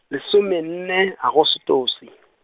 lesomenne Agostose .